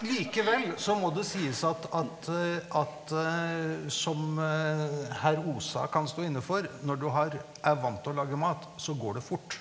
likevel så må det sies at at at som herr Osa kan stå inne for, når du har er vant til å lage mat så går det fort.